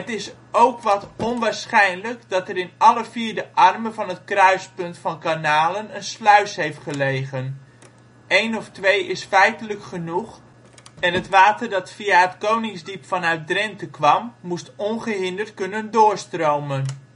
is ook wat onwaarschijnlijk dat er in alle vier de armen van het kruispunt van kanalen een sluis heeft gelegen. Eén of twee is feitelijk genoeg en het water dat via het Koningsdiep van Drenthe moest ongehinderd kunnen doorstromen